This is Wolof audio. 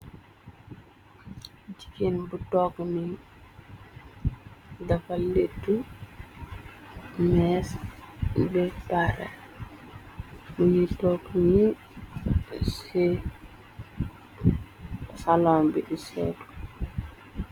Jiggeen bu tok ni dafa lettu mees bi para muñgi tokk ñi ce salom di seetu.